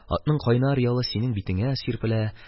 Атның кайнар ялы синең битеңә сирпелә